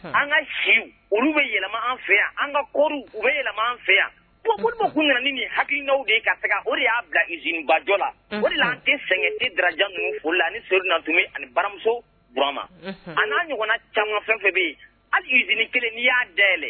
An ka siw olu bɛ yɛlɛma an fɛ yan an ka koro u bɛ yɛlɛma an fɛ yankun ni hakilinaw de ye ka taga o de y'a bilaibajɔ la o an tɛ sɛgɛn ne djan ninnu olu la ni so na tun ani baramuso ma a n'a ɲɔgɔn caman fɛnfɛ bɛ yen halii z kelen n'i y'a daɛlɛ